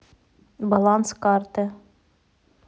баланс карты